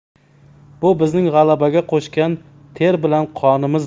bu bizning g'alabaga qo'shgan ter bilan qonimizdir